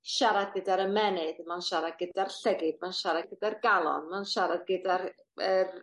siarad gyda'r ymennydd ma'n siarad gyda'r llygid ma'n siarad gyda'r galon ma'n siarad gyda'r yr